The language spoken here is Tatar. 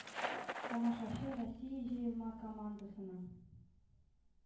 Тамашачы Россия җыелма командасының